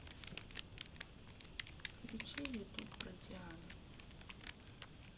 включи ютуб про диану